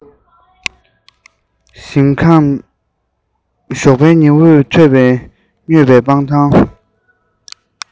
ཞོགས པའི ཉི འོད ཀྱིས མྱོས པའི སྤང ཐང